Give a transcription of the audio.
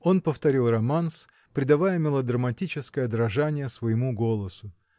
Он повторил романс, придавая мелодраматическое дрожание своему голосу.